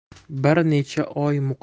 bir necha oy